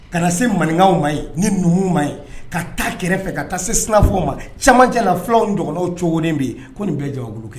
Ka na se maninkaw ma yen ni numu ma yen, ka taa kɛrɛfɛ ka taa se sinafɔw ma , camancɛla fulaw ni dɔgɔnɔnw cogolen bɛ yen ko nin bɛɛ lajɛlen ye kelen ye.